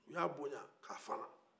u y'a bonya k'a fana